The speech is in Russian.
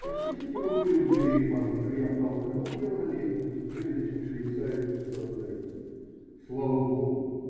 По счастью, мы были у дверей Парных, и я втолкнул его на лестницу прежде, чем швейцарец успел подойти. Слава Богу!